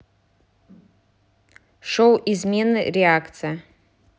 шоу измены реакция